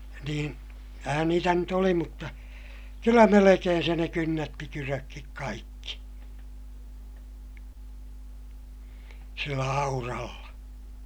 niin kyllähän niitä nyt oli mutta kyllä melkein se ne kynnätti kydötkin kaikki sillä auralla